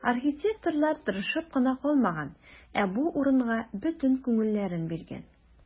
Архитекторлар тырышып кына калмаган, ә бу урынга бөтен күңелләрен биргән.